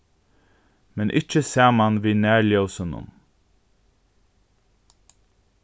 men ikki saman við nærljósunum